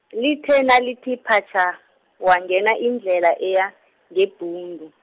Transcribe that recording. lithe nalithi phatjha, wangena indlela eya, ngeBhundu.